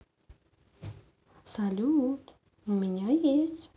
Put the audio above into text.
салют у меня есть